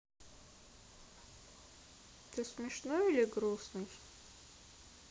ты смешной или грустный